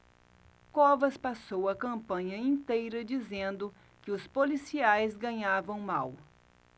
covas passou a campanha inteira dizendo que os policiais ganhavam mal